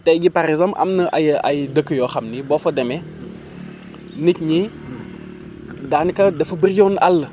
tey jii par exemple am na ay ay dëkk yoo xam ni boo fa demee nit ñi daanaka dafa bëri yoonu àll